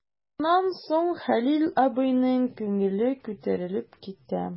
Шуннан соң Хәлил абыйның күңеле күтәрелеп китә.